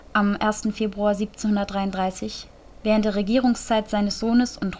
† 1. Februar 1733), während der Regierungszeit seines Sohnes und Thronfolgers